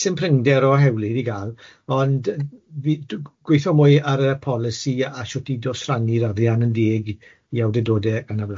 Sdim prinder o hewlydd i ga'l, ond fi dwi'n gweitho mwy ar y polisi a shwt i dosrannu'r arian yn deg i awdurdodau yn y blan.